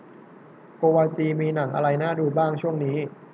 โกวาจีมีหนังอะไรน่าดูบ้างช่วงนี้